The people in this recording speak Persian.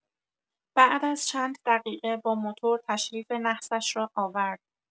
بعد از چند دقیقه با موتور تشریف نحسش را آورد.